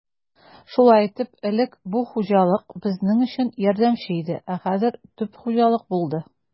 Шулай итеп, элек бу хуҗалык безнең өчен ярдәмче иде, ә хәзер төп хуҗалык булды.